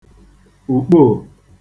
ùkpoò